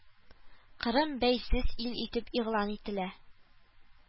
Кырым бәйсез ил итеп игълан ителә